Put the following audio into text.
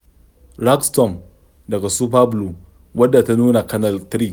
2. "Rag Storm" daga Super Blue, wadda ta nuna Canal 3.